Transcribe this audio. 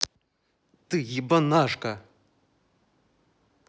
ты ебанашка